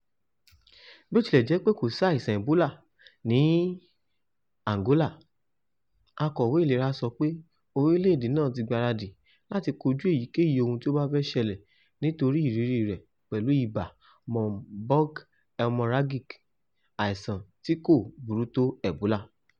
Bí ó tilẹ̀ jẹ́ pé kò sí àìsàn Ebola ní Angola, akọ̀wé ìlera sọ wí pé orílẹ̀ èdè náà ti gbára dì láti kojú èyíkéyìí ohun tí ó bá fẹ́ ṣẹlẹ̀ nítorí ìrírí rẹ̀ pẹ̀lú ibà Marburg haemorrhagic, àìsàn tí kò burú tó Ebola.